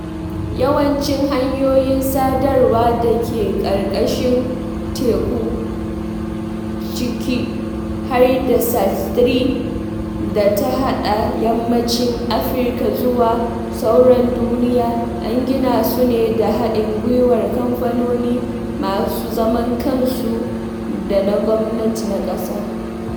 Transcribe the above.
Yawancin hanyoyin sadarwa da ke ƙarƙashin teku, ciki har da SAT-3 da ta haɗa Yammacin Afirka zuwa sauran duniya, an gina su ne da haɗin gwiwar kamfanoni masu zaman kansu da na gwamnati (na ƙasa).